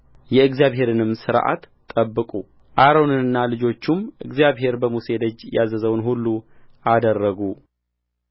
የእግዚአብሔርንም ሥርዓት ጠብቁአሮንና ልጆቹም እግዚአብሔር በሙሴ እጅ ያዘዘውን ሁሉ አደረጉ